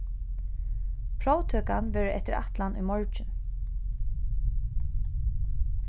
próvtøkan verður eftir ætlan í morgin